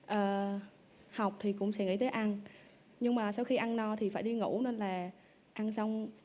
ờ học thì cũng sẽ nghĩ tới ăn nhưng mà sau khi ăn no thì phải đi ngủ nên là ăn xong